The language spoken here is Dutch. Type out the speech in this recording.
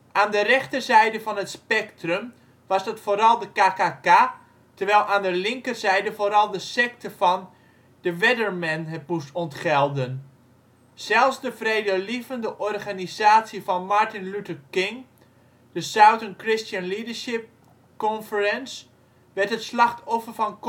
Aan de rechterzijde van het spectrum was dat vooral de KKK, terwijl aan de linkerzijde vooral de sekte van The Weathermen het moest ontgelden. Zelfs de vredelievende organisatie van Martin Luther King, de Southern Christian Leadership Conference, werd het slachtoffer van